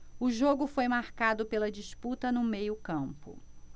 o jogo foi marcado pela disputa no meio campo